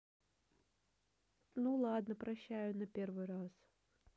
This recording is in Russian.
ну ладно прощаю на первый раз